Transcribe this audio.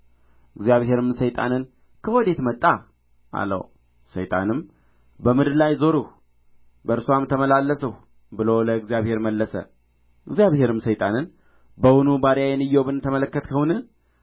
እግዚአብሔርም ሰይጣንን ከወዴት መጣህ አለው ሰይጣንም በምድር ላይ ዞርሁ በእርስዋም ተመላለስሁ ብሎ ለእግዚአብሔር መለሰ እግዚአብሔርም ሰይጣንን በውኑ ባሪያዬን ኢዮብን ተመለከትኸውን